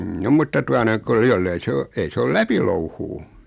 mm mutta tuota noin kuule jos ei se ole ei se ole läpilouhua